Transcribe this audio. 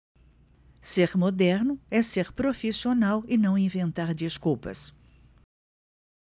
ser moderno é ser profissional e não inventar desculpas